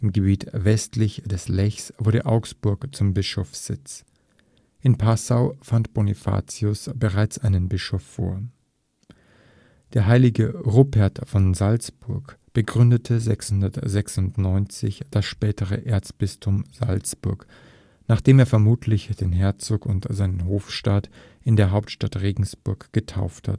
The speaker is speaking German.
Gebiet westlich des Lechs wurde Augsburg zum Bischofssitz. In Passau fand Bonifatius bereits einen Bischof vor. Der Heilige Rupert von Salzburg begründete 696 das spätere Erzbistum Salzburg, nachdem er (vermutlich) den Herzog und seinen Hofstaat in der Hauptstadt Regensburg getauft